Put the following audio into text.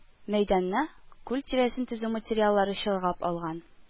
Мәйданны, күл тирәсен төзү материаллары чолгап алган